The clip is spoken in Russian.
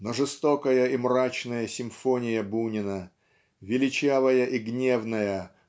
Но жестокая и мрачная симфония Бунина величавая и гневная